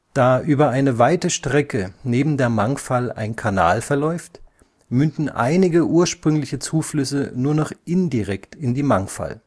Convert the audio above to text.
Da über eine weite Strecke neben der Mangfall ein Kanal verläuft, münden einige ursprüngliche Zuflüsse nur noch indirekt in die Mangfall